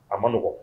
A manɔgɔn